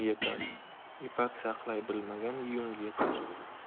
ipak saqlay bilmagan yung etar